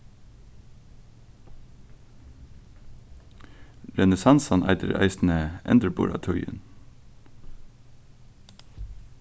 renesansan eitur eisini endurburðartíðin